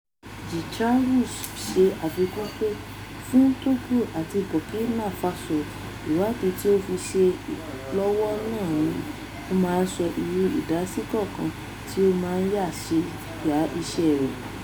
Gicheru ṣe àfikún pé, " Fún Togo àti Burkina Faso, ìwádìí tí à ń ṣe lọ́wọ́ náà ni ó máa sọ irú ìdásí kankan tí a máa ya iṣẹ́ rẹ̀".